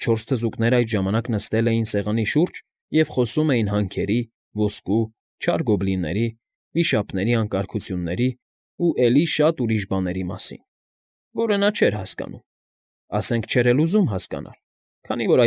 Չորս թզուկներն այդ ժամանակ նստել էին սեղանի շուրջ և խոսում էին հանքերի, ոսկու, չար գոբլինների, վիշապների անկարգությունների ու էլի շատ ուրիշ բաների մասին, որը նա չէր հասկանում, ասենք չէր էլ ուզում հասկանալ, քանի որ։